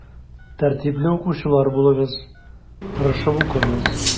Тәртипле укучылар булыгыз, тырышып укыгыз.